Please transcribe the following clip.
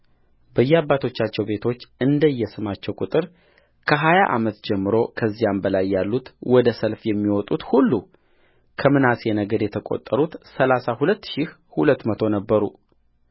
በየአባቶቻቸው ቤቶች እንደየስማቸው ቍጥር ከሀያ ዓመት ጀምሮ ከዚያም በላይ ያሉት ወደ ሰልፍ የሚወጡት ሁሉከምናሴ ነገድ የተቈጠሩት ሠላሳ ሁለት ሺህ ሁለት መቶ ነበሩ